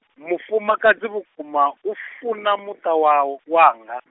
mufumakadzi vhukuma u funa muṱa waw- wanga.